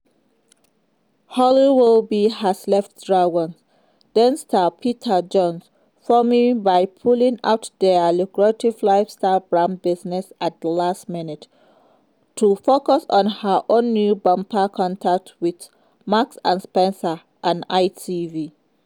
Holly Willoughby has left Dragons" Den star Peter Jones fuming by pulling out of their lucrative lifestyle brand business at the last minute - to focus on her own new bumper contracts with Marks & Spencer and ITV.